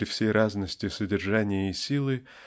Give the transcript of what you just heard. при всей разности содержания и силы